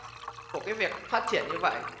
của cái việc phát triển như vậy